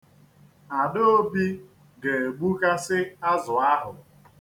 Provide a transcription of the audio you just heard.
Adaobi ga-egbukasị azụ ahụ.